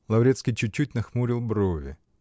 Лаврецкий чуть-чуть нахмурил брови.